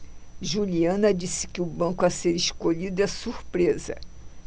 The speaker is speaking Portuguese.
juliana disse que o banco a ser escolhido é surpresa